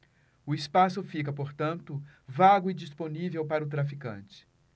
o espaço fica portanto vago e disponível para o traficante